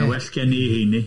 Mae well gen i i heini.